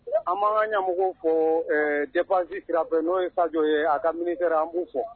An' ka ɲamɔgɔ fɔ defasi sirabɛ n'o ye fajo ye a ka mini kɛ an b'u fɔ